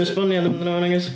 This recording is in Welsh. Esbonio amdano fo nagoes?